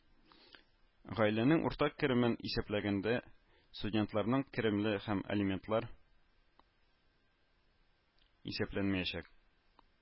Гаиләнең уртак керемен исәпләгәндә студентларның кереме һәм алиментлар исәпләнмәячәк